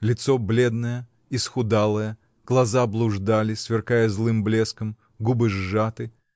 Лицо бледное, исхудалое, глаза блуждали, сверкая злым блеском, губы сжаты.